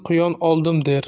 quyon oldim der